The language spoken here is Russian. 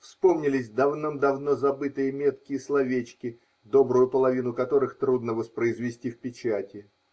Вспомнились давно-давно забытые меткие словечки, добрую половину которых трудно воспроизвести в печати.